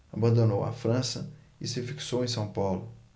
abandonou a frança e se fixou em são paulo